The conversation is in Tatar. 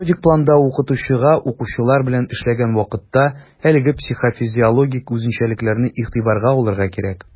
Методик планда укытучыга, укучылар белән эшләгән вакытта, әлеге психофизиологик үзенчәлекләрне игътибарга алырга кирәк.